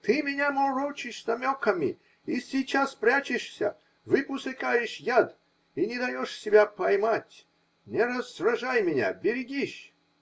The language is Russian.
-- Ты меня морочишь намеками и сейчас прячешься, выпускаешь яд и не даешь себя поймать. Не раздражай меня! Берегись!